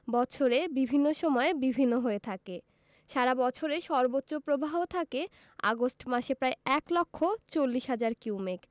বৎসরের বিভিন্ন সময়ে বিভিন্ন হয়ে থাকে সারা বৎসরের সর্বোচ্চ প্রবাহ থাকে আগস্ট মাসে প্রায় এক লক্ষ চল্লিশ হাজার কিউমেক